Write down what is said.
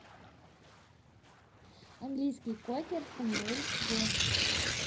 английский кокер спаниель год